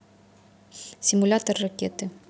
симулятор ракеты